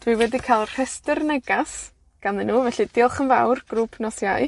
dwi wedi ca'l rhestyr negas ganddyn nw, felly, diolch yn fawr, grŵp nos Iau.